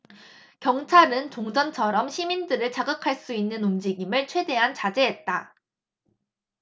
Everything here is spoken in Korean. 경찰은 종전처럼 시민들을 자극할 수 있는 움직임을 최대한 자제했다